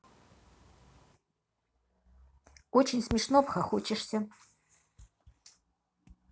очень смешно обхохочешься